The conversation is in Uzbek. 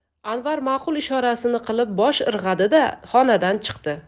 anvar ma'qul ishorasini qilib bosh irg'adi da xonadan chiqdi